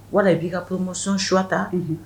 Wala i b'i ka promotion choix ta.